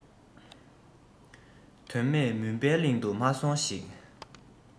དོན མེད མུན པའི གླིང དུ མ སོང ཞིག